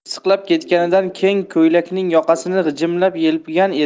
issiqlab ketganidan keng ko'ylagining yoqasini g'ijimlab yelpingan edi